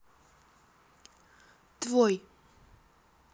твой